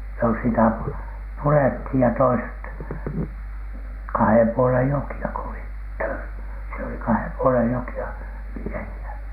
no sitä purettiin ja toiset kahden puolen jokea kun olivat - siellä oli kahden puolen jokea miehiä